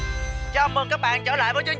chào mừng các bạn trở lại với chương